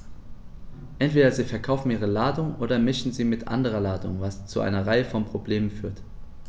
Entweder sie verkaufen ihre Ladung oder mischen sie mit anderer Ladung, was zu einer Reihe von Problemen führt.